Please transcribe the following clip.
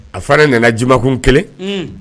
A fa nana jumakun kelen, Hum